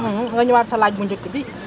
nga ñewaat sa laaj bu njëkk bi